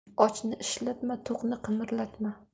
ochni ishlatma to'qni qimirlatma